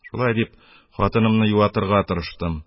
Шулай дип хатынымны юатырга тырыштым.